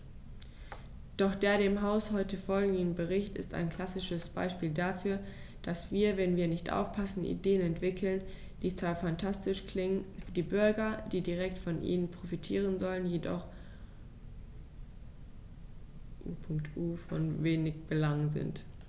Doch der dem Haus heute vorliegende Bericht ist ein klassisches Beispiel dafür, dass wir, wenn wir nicht aufpassen, Ideen entwickeln, die zwar phantastisch klingen, für die Bürger, die direkt von ihnen profitieren sollen, jedoch u. U. von wenig Belang sind.